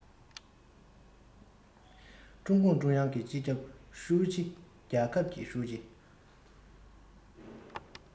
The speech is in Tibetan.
ཀྲུང གུང ཀྲུང དབྱང གི སྤྱི ཁྱབ ཧྲུའུ ཅིའམ རྒྱལ ཁབ ཀྱི ཀྲུའུ ཞི